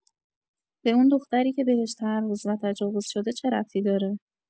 به اون دختری که بهش تعرض و تجاوز شده چه ربطی داره؟